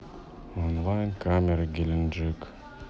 онлайн камеры геленджик